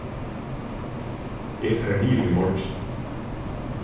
eg fari niður í morgin